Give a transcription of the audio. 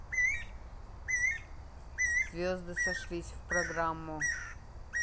звезды сошлись в программу